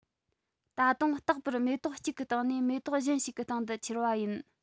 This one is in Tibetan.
ད དུང རྟག པར མེ ཏོག གཅིག གི སྟེང ནས མེ ཏོག གཞན ཞིག གི སྟེང དུ འཁྱེར བ ཡིན